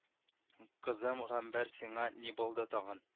Кызым гамбәр сиңа ни булды тагын